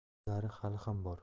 uylari hali ham bor